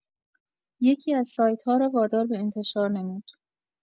یکی‌از سایت‌ها را وادار به انتشار نمود.